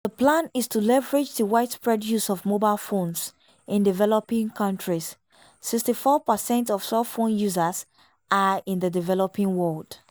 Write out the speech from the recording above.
The plan is to leverage the widespread use of mobile phones in developing countries – 64 percent of cell phone users are in the developing world.